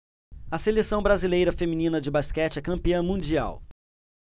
a seleção brasileira feminina de basquete é campeã mundial